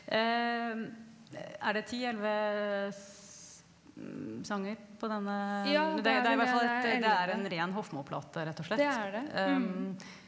er det ti elleve sanger på denne ja det er i hvert fall et det er en ren Hofmo-plate rett og slett .